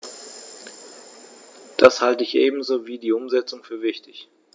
Das halte ich ebenso wie die Umsetzung für wichtig.